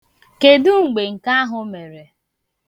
Kedụ mgbe nke ahụ mere?